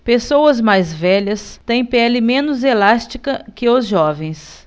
pessoas mais velhas têm pele menos elástica que os jovens